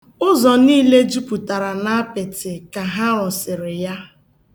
Ụzọ niile jupụtara na apịtị ka ha rụsịrị ya.